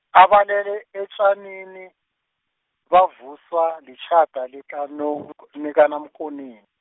abalele etjanini, bavuswa, litjhada likanom uke-, likaNaMkoneni.